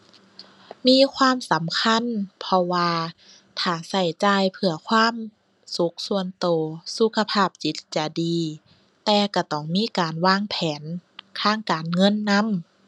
มีความสำคัญ เพราะว่าถ้าใช้จ่ายเพื่อความสุขส่วนใช้ สุขภาพจิตจะดี แต่ใช้ต้องมีการวางแผนทางการเงินนำ